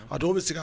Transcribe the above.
A dɔw be seg'a